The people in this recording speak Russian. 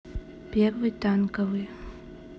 первый танковый